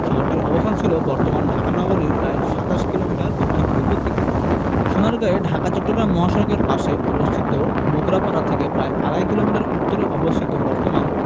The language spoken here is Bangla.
শহরটির অবস্থান ছিল বর্তমান ঢাকা নগরীর প্রায় ২৭ কিলোমিটার দক্ষিণপূর্ব দিকে সোনারগাঁয়ে ঢাকা চট্রগ্রাম মহাসড়কের পাশে অবস্থিত মোগরাপাড়া থেকে প্রায় আড়াই কিলোমিটার উত্তরে অবস্থিত বর্তমান